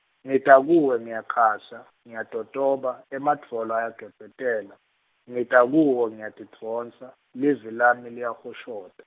ngita kuwe ngiyakhasa, ngiyatotoba, emadvolo ayagedzetela, ngita kuwe ngiyatidvonsa, livi lami liyahoshota.